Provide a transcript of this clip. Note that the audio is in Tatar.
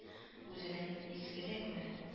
Үзенең изгелекме